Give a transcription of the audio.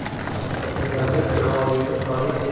mudarris navoiyni shoir deb